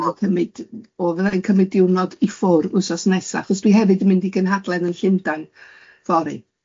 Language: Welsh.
Yym oedd hymyd o fyddai'n cymyd diwrnod i ffwrdd wythnos nesaf, achos dwi hefyd yn mynd i gynhadledd yn Llundan fory.